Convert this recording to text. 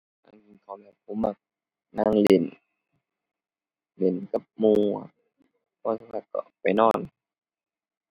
หลังกินข้าวแล้วผมมักนั่งเล่น เล่นกับหมู่ ก็ไปนอน